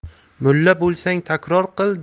mulla bo'lsang takror qil